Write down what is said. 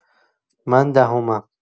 من دهمم